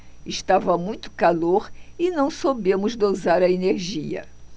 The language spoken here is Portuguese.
estava muito calor e não soubemos dosar a energia